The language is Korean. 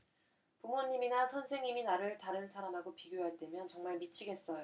부모님이나 선생님이 나를 다른 사람하고 비교할 때면 정말 미치겠어요